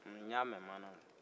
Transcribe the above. n y'a mɛn